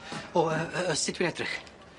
O yy yy sut dwi edrych?